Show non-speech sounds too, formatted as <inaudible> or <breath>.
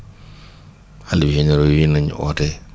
<breath> khalif généraux yi na ñu oote